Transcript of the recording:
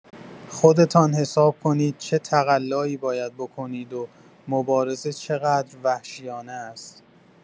خودتان حساب کنید چه تقلایی باید بکنید و مبارزه چقدر وحشیانه است.